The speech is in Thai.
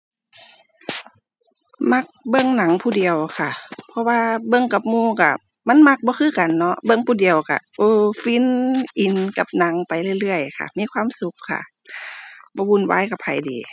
มักเบิ่งหนังผู้เดียวค่ะ เพราะว่าเบิ่งกับหมู่ก็ มันมักบ่คือกันเนาะ เบิ่งผู้เดียวก็ เออ ฟิน อินกับหนังไปเรื่อยเรื่อยค่ะ มีความสุขค่ะ บ่วุ่นวายกับไผดี